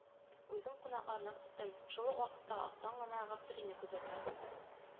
Үзем кунакларны кыстыйм, шул ук вакытта астан гына Гаптерине күзәтәм.